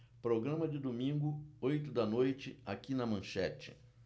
programa de domingo oito da noite aqui na manchete